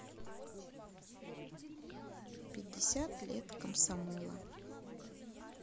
пятьдесят лет комсомола